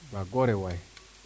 waaw goore waay